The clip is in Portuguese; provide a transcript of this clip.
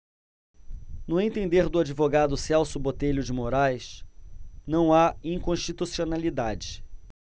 no entender do advogado celso botelho de moraes não há inconstitucionalidade